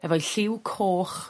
efo'i lliw coch